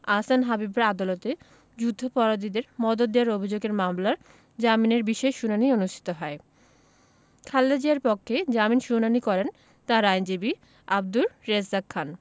আহসান হাবীবের আদালতে যুদ্ধাপরাধীদের মদদ দেওয়ার অভিযোগের মামলার জামিনের বিষয়ে শুনানি অনুষ্ঠিত হয় খালেদা জিয়ার পক্ষে জামিন শুনানি করেন তার আইনজীবী আব্দুর রেজ্জাক খান